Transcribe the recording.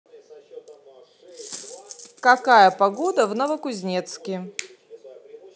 какая погода в новокузнецке